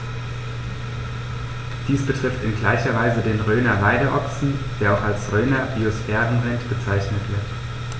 Dies betrifft in gleicher Weise den Rhöner Weideochsen, der auch als Rhöner Biosphärenrind bezeichnet wird.